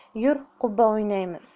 yur qubba o'ynaymiz